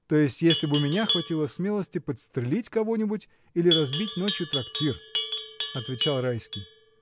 — То есть если б у меня хватило смелости подстрелить кого-нибудь или разбить ночью трактир! — отвечал Райский.